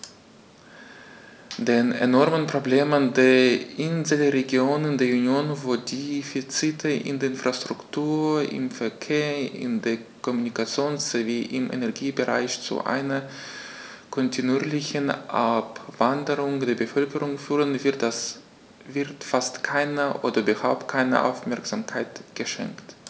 Den enormen Problemen der Inselregionen der Union, wo die Defizite in der Infrastruktur, im Verkehr, in der Kommunikation sowie im Energiebereich zu einer kontinuierlichen Abwanderung der Bevölkerung führen, wird fast keine oder überhaupt keine Aufmerksamkeit geschenkt.